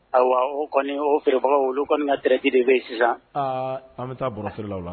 Ayiwa kɔni o feerebagaw olu kɔni ka terikɛ di de bɛ sisan an bɛ taa barof la la